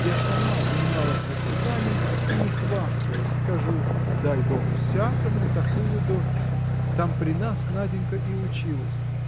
я сама занималась воспитанием и не хвастаясь скажу дай бог всякому такую дочь! Там при нас Наденька и училась.